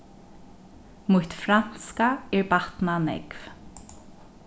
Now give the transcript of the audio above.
mítt franska er batnað nógv